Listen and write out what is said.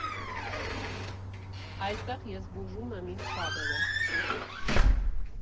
Այստեղ ես բուժում եմ իմ ցավերը։